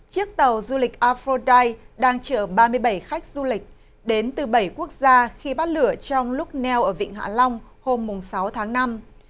chiếc tàu du lịch a phơ đai đang chở ba mươi bảy khách du lịch đến từ bảy quốc gia khi bắt lửa trong lúc neo ở vịnh hạ long hôm mùng sáu tháng năm